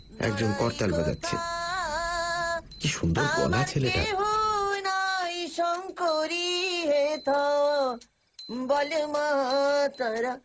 একজন করতাল বাজাচ্ছে কী সুন্দর গলা ছেলেটার আমার কেহ নাই শঙ্করী হেথা বল মা তারা